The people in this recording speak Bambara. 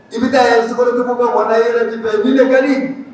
I bɛ taa sigiko dugu ma kuwa na yɛrɛ bi fɛ mika di